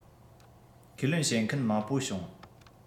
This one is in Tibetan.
ཁས ལེན བྱེད མཁན མང པོ བྱུང